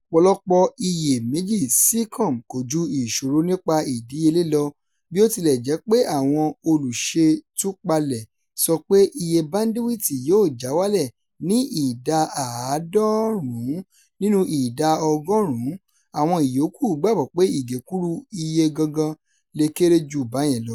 Ọ̀pọ̀lọpọ̀ iyèméjì Seacom kò ju ìṣòro nípa ìdíyelé lọ: bí ó tilẹ̀ jẹ́ pé àwọn olùṣètúpalẹ̀ sọ pé iye báńdíwìtì yóò já wálẹ̀ ní ìdá 90 nínú ìdá ọgọ́rùn-ún, àwọn ìyókù gbàgbọ́ pé ìgékúrú iye gangan le kéré jù bá yẹn lọ.